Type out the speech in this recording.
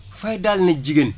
faydaal na jigéen